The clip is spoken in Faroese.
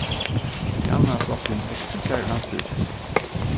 javnaðarflokkurin fekk tríggjar landsstýrissessir